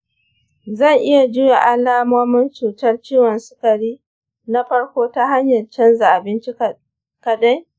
zan iya juya alamomin cutar ciwon sukari na farko ta hanyar canza abinci kaɗai?